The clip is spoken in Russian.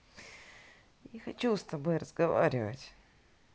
я не хочу с тобой разговаривать